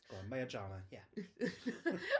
Go on, Maya Jama, ie .